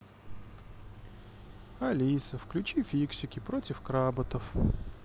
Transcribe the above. алиса включи фиксики против кработов